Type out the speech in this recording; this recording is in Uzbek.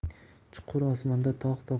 chuqur osmonda tog' tog'